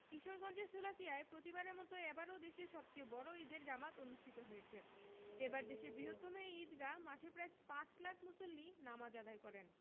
কিশোরগঞ্জের শোলাকিয়ায় প্রতিবারের মতো এবারও দেশের সবচেয়ে বড় ঈদের জামাত অনুষ্ঠিত হয়েছে এবার দেশের বৃহত্তম এই ঈদগাহ মাঠে প্রায় পাঁচ লাখ মুসল্লি নামাজ আদায় করেন